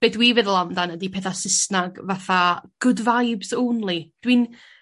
be' dwi feddwl amdan ydi petha Sysnag fatha good vibes only dwi'n